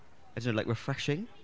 I don't know like, refreshing?